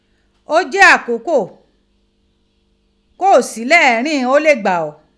O je akoko ko o si leerin ighan o le gba o.